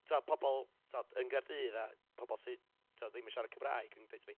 tibod pobl tibod yn Gaerdydd a pobl sy tibod ddim yn siarad Cymraeg yn deutha fi,